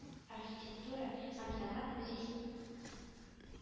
-архитектура һәм сәнгать музей